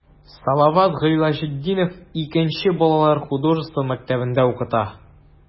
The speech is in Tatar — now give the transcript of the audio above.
Салават Гыйләҗетдинов 2 нче балалар художество мәктәбендә укыта.